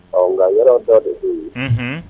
Ɔ nka yɔrɔ dɔ de be ye unhun